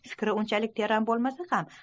fikri unchalik teran bo'lmasa ham